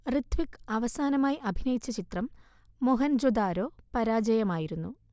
ഋത്വിക്ക് അവസാനമായി അഭിനയിച്ച ചിത്രം മോഹൻ ജൊദാരോ പരാജയമായിരുന്നു